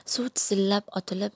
suv tizillab otilib